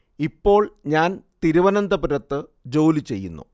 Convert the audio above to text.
ഇപ്പോൾ ഞാൻ തിരുവനന്തപുരത്ത് ജോലി ചെയ്യുന്നു